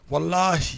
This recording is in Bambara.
Walahi